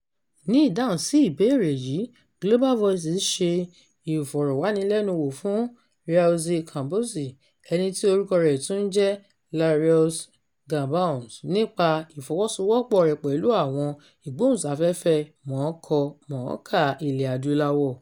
Ní ìdáhùn sí ìbéèrè yìí, Global Voices ṣe ìfọ̀rọ̀wánilẹ́nuwò fún Réassi Ouabonzi, ẹni tí orúkọ rẹ̀ tún ún jẹ́ Lareus Gangoueus nípa ìfọwọ́sowọ́pọ̀ rẹ̀ pẹ̀lú àwọn ìgbóhùnsáfẹ́fẹ́ mọ̀ọ́kọmọ̀ọ́kà Ilẹ̀ Adúláwò.